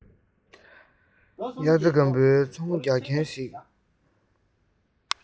དབྱར རྩྭ དགུན འབུའི ཚོང རྒྱག མཁན ཞིག